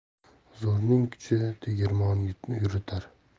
zo'rning kuchi tegirmon yuritar